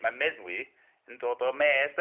Mae meddwi yn dod o medd de.